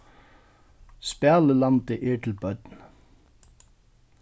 spælilandið er til børn